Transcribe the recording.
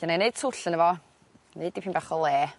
'lly 'nai neud twll yno fo neud dipyn bach o le